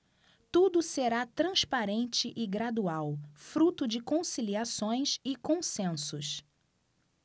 tudo será transparente e gradual fruto de conciliações e consensos